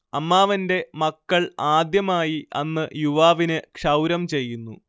അമ്മാവന്റെ മക്കൾ ആദ്യമായി അന്ന് യുവാവിന് ക്ഷൗരം ചെയ്യുന്നു